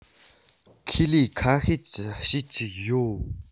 ཁེ ལས ཁ ཤས ཀྱིས བཤས ཀྱི ཡོད